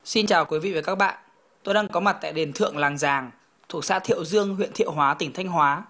xin chào quý vị và các bạn tôi đang có mặt tại đền thượng làng giàng thuộc xã thiệu dương huyện thiệu hóa tỉnh thanh hóa